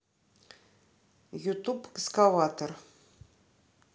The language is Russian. ютуб экскаватор